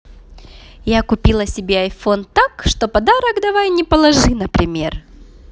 я купила себе айфон так что подарок давай не положи например